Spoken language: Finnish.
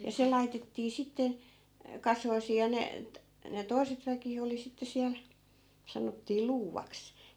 ja se laitettiin sitten kasoihin ja ne - ne toiset väki oli sitten siellä sanottiin luuvaksi